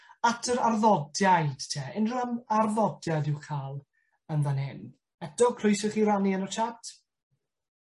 At yr arddodiaid 'te. Unryw yym arddodiad i'w ca'l yn fan hyn? Eto croeso i chi rannu yn y chat.